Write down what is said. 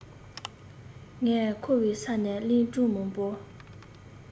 ངས ཁོའི ས ནས གླིང སྒྲུང མང པོ